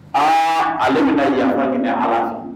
A ale bɛna na yanfa minɛ a la